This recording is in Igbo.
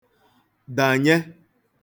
dànye